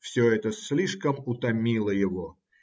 все это слишком утомило его.